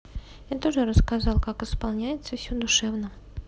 я тоже рассказал как исполняется все душевно